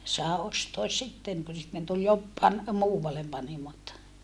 sai ostaa sitten kun sitten tuli -- muualle panimot